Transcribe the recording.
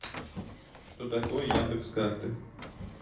что такое яндекс карты